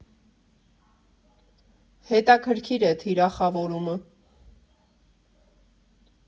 Հետաքրքիր է թիրախավորումը.